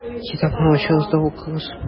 Китапны ачыгыз да укыгыз: